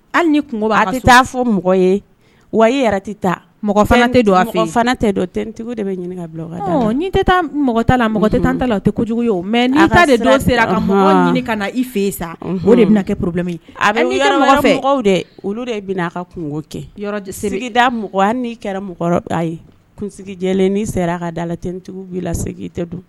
Hali ni a tɛ taa fɔ mɔgɔ ye wa i yɛrɛ tɛ ta mɔgɔ tɛ don a fɛ tɛ ttigiw de bɛ ɲininka tɛ taa mɔgɔ ta la mɔgɔ tɛ tan ta la o tɛ ye mɛ n' sera ka mɔgɔ ka na i fɛ sa o de bɛna kɛ poro a bɛ mɔgɔw olu de ka kɛda mɔgɔ'i kɛra mɔgɔ ye kun n sera a ka dala lattigiw la tɛ don